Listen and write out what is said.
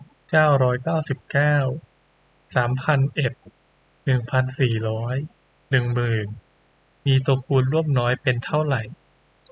เก้าร้อยเก้าสิบเก้าสามพันเอ็ดหนึ่งพันสี่ร้อยหนึ่งหมื่นมีตัวคูณร่วมน้อยเป็นเท่าไหร่